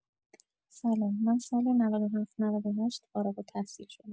سلام من سال ۹۷ - ۹۸ فارغ‌التحصیل شدم.